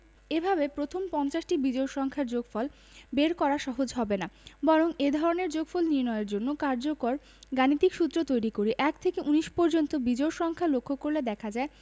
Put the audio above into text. এভাবে প্রথম পঞ্চাশটি বিজোড় সংখ্যার যোগফল বের করা সহজ হবে না বরং এ ধরনের যোগফল নির্ণয়ের জন্য কার্যকর গাণিতিক সূত্র তৈরি করি ১ থেকে ১৯ পর্যন্ত বিজোড় সংখ্যা লক্ষ করলে দেখা যায়